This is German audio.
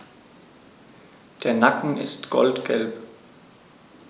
Der Nacken ist goldgelb.